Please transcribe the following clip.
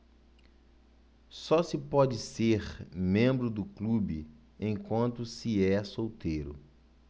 só se pode ser membro do clube enquanto se é solteiro